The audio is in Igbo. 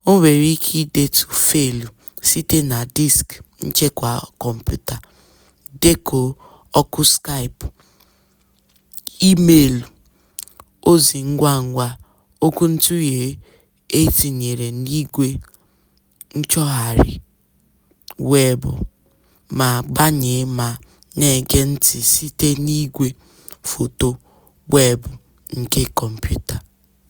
O nwere ike idetu faịlụ site na diski nchekwa kọmpụta, dekọọ oku Skype, imeelụ, ozi ngwa ngwa, okwuntụghe e tinyere n'igwe nchọgharị weebụ, ma gbanye ma na-ege ntị site n'igwe foto weebụ nke kọmputa.